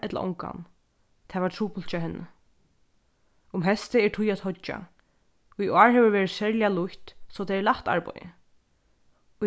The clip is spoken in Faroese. ella ongan tað var trupult hjá henni um heystið er tíð at hoyggja í ár hevur verið serliga lýtt so tað er lætt arbeiði